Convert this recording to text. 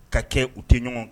Ka kɛ u tɛ ɲɔgɔn